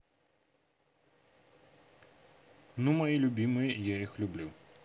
ну мои любимые я их люблю